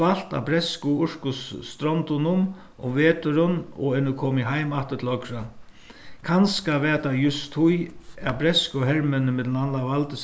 dvalt á bretsku og írsku strondunum um veturin og er nú komið heimaftur til okra kanska var tað júst tí at bretsku hermenninir millum annað valdu